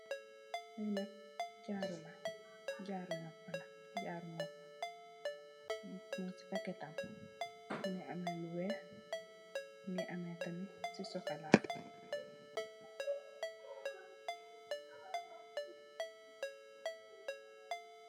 Li nak jaru la, jaru nopuh la mug si paketam mugii ameh lu wèèx mugii ameh tamit lu sokola .